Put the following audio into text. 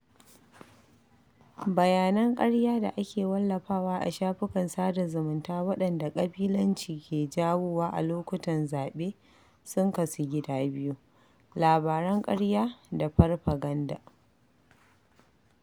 Bayanan ƙarya da ake wallafawa a shafukan sada zumunta waɗanda ƙabilanci ke jawowa a lokutan zaɓe sun kasu gida biyu: labaran ƙarya da farfaganda.